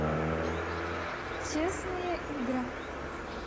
честная игра